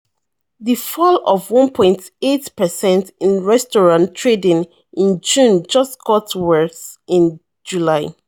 The fall of 1.8 per cent in restaurant trading in June just got worse in July.